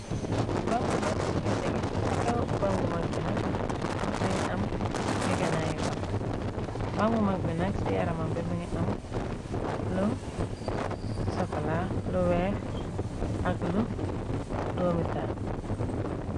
Bang bu mag muge tegeh ci kow bang bu mag bi nag muge am nyegenay ye bang bang bu mag bi nag ci yaramambe mingi am lu sokola lu weex ak lu dome taal.